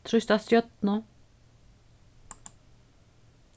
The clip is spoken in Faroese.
trýst á stjørnu